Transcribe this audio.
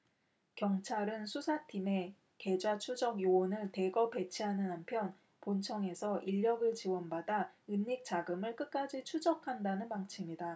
경찰은 수사팀에 계좌추적 요원을 대거 배치하는 한편 본청에서 인력을 지원받아 은닉 자금을 끝까지 추적한다는 방침이다